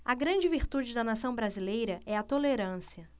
a grande virtude da nação brasileira é a tolerância